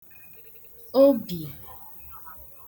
obì